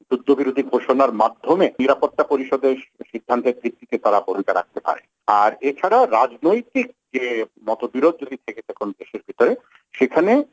যুদ্ধবিরতি ঘোষণার মাধ্যমে নিরাপত্তা পরিষদের সিদ্ধান্তের ভিত্তিতে তারা ভূমিকা রাখতে পারে আর এ ছাড়া রাজনৈতিক যে মতবিরোধ যদি থেকে থাকে দেশের ভিতর সেখানে